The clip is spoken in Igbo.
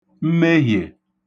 mmehìè